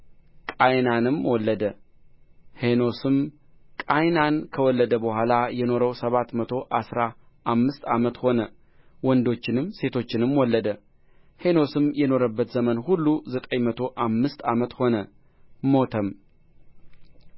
ቃይናንንም ወለደ ሄኖስም ቃይናንን ከወለደ በኋላ የኖረው ሰባት መቶ አሥራ አምስት ዓመት ሆነ ወንዶችንም ሴቶችንም ወለደ ሄኖስም የኖረበት ዘመን ሁሉ ዘጠኝ መቶ አምስት ዓመት ሆነ ሞተም